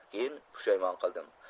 keyin pushaymon qildim